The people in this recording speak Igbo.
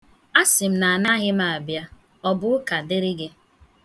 A sị m na anaghị abịa. Ọ bụ ụka dịrị gị?